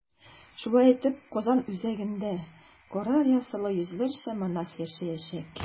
Шулай итеп, Казан үзәгендә кара рясалы йөзләрчә монах яшәячәк.